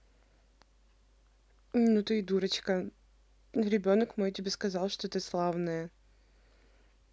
ну ты и дурочка ребенок мой тебе сказал что ты славная